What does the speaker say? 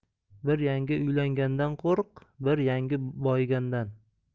bir yangi uylangandan qo'rq bir yangi boyigandan